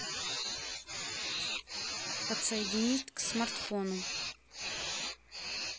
подсоединить к смартфону